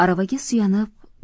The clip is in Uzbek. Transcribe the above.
aravaga suyanib